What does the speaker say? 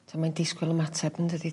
So mae'n disgwyl ymateb yndydi...